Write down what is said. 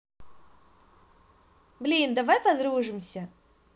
блин давай подружимся